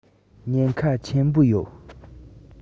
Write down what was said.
ཉེན ཁ ཆེན པོ ཡོད